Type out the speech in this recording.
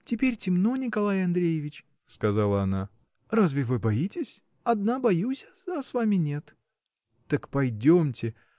— Теперь темно, Николай Андреевич, — сказала она. — Разве вы боитесь? — Одна боюсь, а с вами нет. — Так пойдемте!